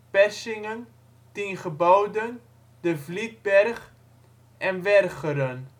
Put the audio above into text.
Persingen, Tiengeboden, De Vlietberg en Wercheren